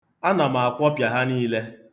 Ana m akwọpịa ha niile.